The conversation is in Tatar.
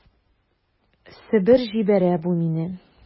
Себер җибәрә бу мине...